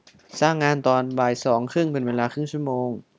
สร้างงานตอนบ่ายสองครึ่งเป็นเวลาครึ่งชั่วโมง